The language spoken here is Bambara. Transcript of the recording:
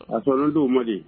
A sɔrɔ don mɔ di